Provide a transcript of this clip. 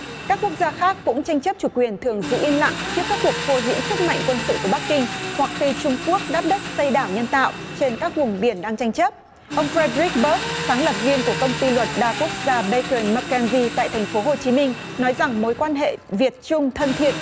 các quốc gia khác cũng tranh chấp chủ quyền thường giữ im lặng trước các cuộc phô diễn sức mạnh quân sự của bắc kinh hoặc khi trung quốc đắp đất xây đảo nhân tạo trên các vùng biển đang tranh chấp ông phờ ren rích bớt sáng lập viên của công ty luật đa quốc gia be cần mắc ken di tại thành phố hồ chí minh nói rằng mối quan hệ việt trung thân thiện